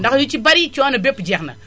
ndax yu ci bari coono bépp jeex na